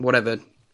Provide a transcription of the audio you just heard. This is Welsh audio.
wharever